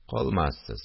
Калмассыз